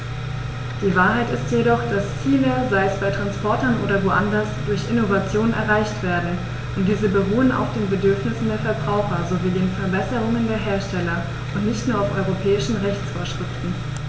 Die Wahrheit ist jedoch, dass Ziele, sei es bei Transportern oder woanders, durch Innovationen erreicht werden, und diese beruhen auf den Bedürfnissen der Verbraucher sowie den Verbesserungen der Hersteller und nicht nur auf europäischen Rechtsvorschriften.